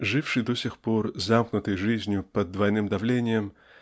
живший до сих пор замкнутой жизнью под двойным давлением